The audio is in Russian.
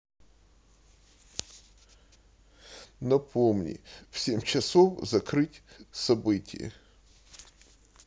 напомни в семь часов закрыть событие